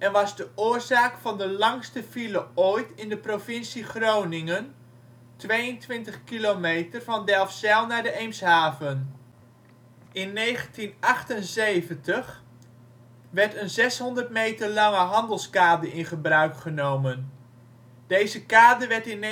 was de oorzaak van de langste file ooit in de Provincie Groningen - 22 kilometer, van Delfzijl naar de Eemshaven. In 1978 werd een 600 meter lange handelskade in gebruik genomen. Deze kade werd in